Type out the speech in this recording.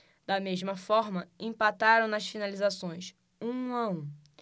da mesma forma empataram nas finalizações um a um